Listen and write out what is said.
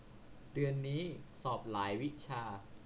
เดือนนี้สอบหลายวิชา